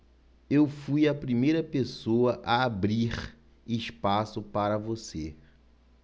eu fui a primeira pessoa a abrir espaço para você